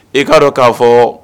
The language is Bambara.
I'a dɔn k'a fɔ